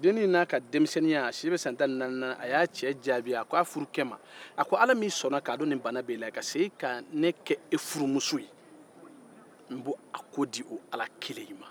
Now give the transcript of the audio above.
dennin n'a ka denmisɛnninya a si bɛ san tan ni naani na a y'a cɛ jaabi a ko a furukɛ ma a ko ala min y'a dɔn ko bana in bɛ e la ka tila ka ne kɛ e furumuso n b'a ko di o ala kelen ma